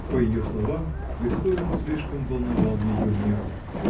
по ее словам, Бетговен слишком волновал ее нервы.